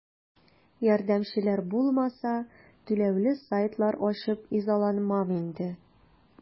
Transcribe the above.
Ярдәмчеләр булмаса, түләүле сайтлар ачып изаланмам инде.